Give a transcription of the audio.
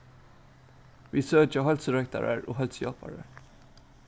vit søkja heilsurøktarar og heilsuhjálparar